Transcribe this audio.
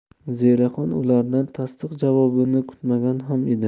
zelixon ulardan tasdiq javobini kutmagan ham edi